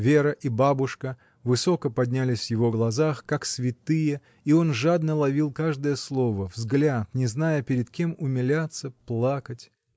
Вера и бабушка высоко поднялись в его глазах, как святые, и он жадно ловил каждое слово, взгляд, не зная перед кем умиляться, плакать.